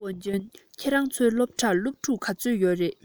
ཝུན ཅུན ཁྱོད རང ཚོའི སློབ གྲྭར སློབ ཕྲུག ག ཚོད ཡོད རེད